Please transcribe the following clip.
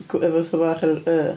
G- efo to bach ar yr Y?